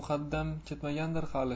muqaddam ketmagandir hali